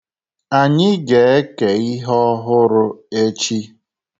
Anyị ga-eke ihe ọhụrụ echi